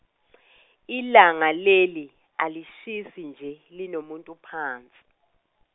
ilanga leli alishisi nje linomuntu phansi.